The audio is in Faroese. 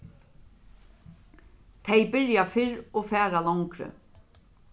tey byrja fyrr og fara longri